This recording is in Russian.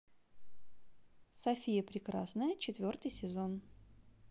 софия прекрасная четвертый сезон